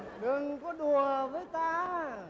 đừng có đùa với ta